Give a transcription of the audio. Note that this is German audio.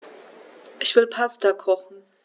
Ich will Pasta kochen.